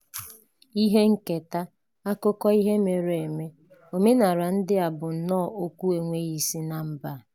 Ihe nketa, akụkọ ihe mere eme, omenala ndị a bụ nnọo okwu enweghị isi na mba a!